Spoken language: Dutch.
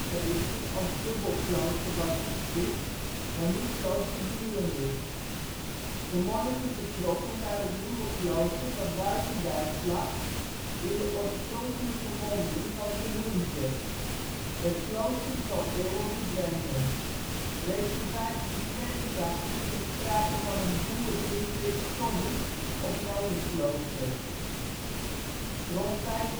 1175 als dubbelklooster was gesticht waar nu Kloosterburen ligt. De monniken vertrokken naar het nieuwe klooster dat buitendijks lag, in de oorspronkelijke monding van de Hunze. Het klooster is al eeuwen verdwenen. Reeds in 1582 is er sprake van een boer Hindrik Tonnis op Nijenklooster. Rond 1595